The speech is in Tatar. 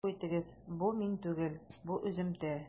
Гафу итегез, бу мин түгел, бу өземтә.